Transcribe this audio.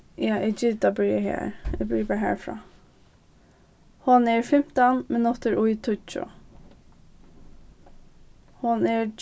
ja eg giti tað byrjaði har eg byrji bara harfrá hon er fimtan minuttir í tíggju hon er